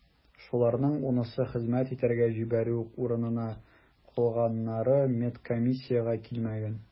Шуларның унысы хезмәт итәргә җибәрү урынына, калганнары медкомиссиягә килмәгән.